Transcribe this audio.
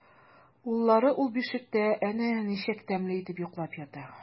Уллары ул бишектә әнә ничек тәмле итеп йоклап ята!